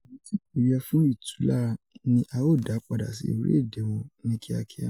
Awọn ti ko yẹ fun itulara ni a o da pada si ori ede wọn ni kiakia.